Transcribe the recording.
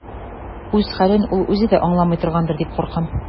Үз хәлен ул үзе дә аңламый торгандыр дип куркам.